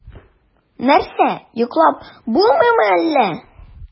Нәрсә, йоклап булмыймы әллә?